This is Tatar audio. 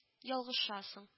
Ялгышасың